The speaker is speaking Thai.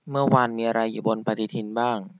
เมื่อวานมีอะไรอยู่บนปฎิทินบ้าง